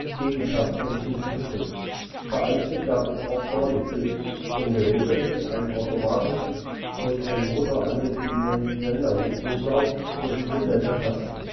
Gegentaktendstufe bestückt, vereinzelt gab es auch vor dem Krieg schon Geräte mit einem automatischen, durch einen Motor angetriebenen Sendersuchlauf sowie mit Sendertasten